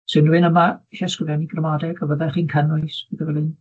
'Se unrywun yma isie sgrifennu gramadeg a fyddech chi'n cynnwys rwbeth fel 'yn?